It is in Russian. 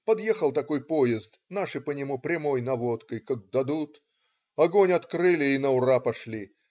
Подъехал такой поезд, наши по нему прямой наводкой как дадут! Огонь открыли и на ура пошли.